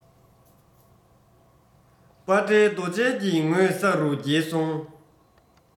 པ ཊའི རྡོ གཅལ གྱི ངོས ས རུ འགྱེལ སོང